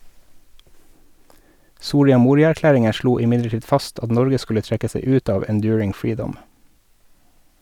Soria Moria-erklæringen slo imidlertid fast at Norge skulle trekke seg ut av Enduring Freedom.